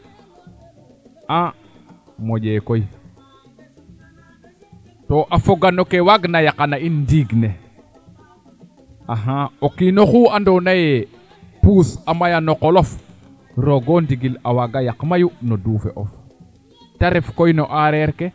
a moƴe koy to a faga no kee waag na yaqana in ndiing ne axa o kiinoxu ando naye puus a maya no qolof roogo ndingil a waga yaq mayu no duufe of te ref koy no areer ke